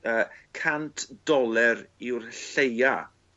yy cant doler yw'r lleia